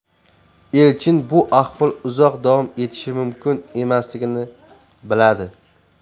elchin bu ahvol uzoq davom etishi mumkin emasligini biladi